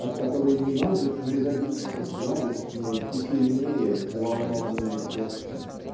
от которой не может не забиться сладостнее и сильнее взволнованное сердце.